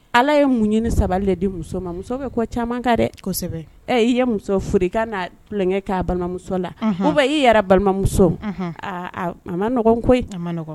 Ala ye muɲu ni sabari de di muso ma muso bɛ kɔ caaman ta dɛ. Kosɛbɛ! Ee, i ye muso min furu i ka na tulon kɛ a balimamuso la ou bien i yɛrɛ balimamuso. Unhun! A ma nɔgɔn koyi. A ma nɔgɔ.